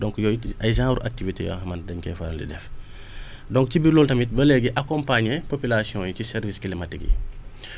donc yooyu ay genre activités yoo xamante dañ koy faral di def donc ci biir loolu tamit ba léegi accompagner population yi ci services climatiques yi